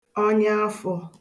ọnyaafọ̀